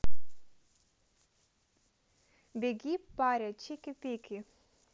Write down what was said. беги баре чики пики